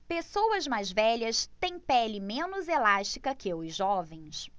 pessoas mais velhas têm pele menos elástica que os jovens